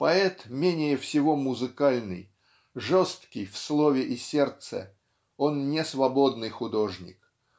Поэт менее всего музыкальный жесткий в слове и сердце он не свободный художник